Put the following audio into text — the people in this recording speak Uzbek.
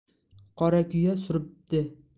qorakuya suribdi